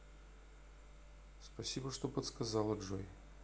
спасибо что подсказала джой